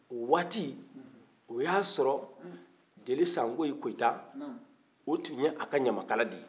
o waati o y'a sɔrɔ jeli sangoyi koyita o tun ye a ka ɲamakala de ye